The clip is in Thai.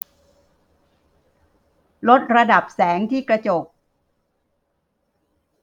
ลดระดับแสงที่กระจก